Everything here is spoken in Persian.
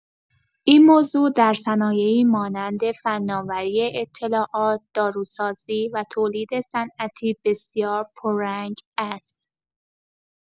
این موضوع در صنایعی مانند فناوری اطلاعات، داروسازی و تولید صنعتی بسیار پررنگ است.